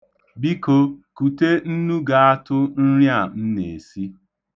Biko kute nnu ga-atụ nri a m na-esi.